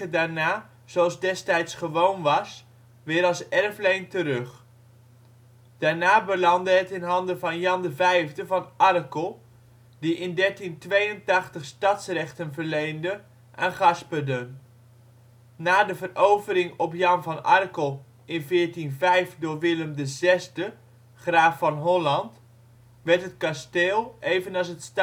daarna, zoals destijds gewoon was, weer als erfleen terug. Daarna belandde het in handen van Jan V van Arkel die in 1382 stadsrechten verleende aan Gasperden. Na de verovering op Jan V van Arkel in 1405 door Willem VI, graaf van Holland, werd het kasteel evenals het